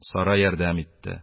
Сара ярдәм итте.